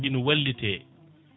ina wallite